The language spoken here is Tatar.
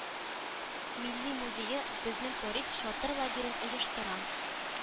Милли музее Безнең тарих чатыр лагерен оештыра.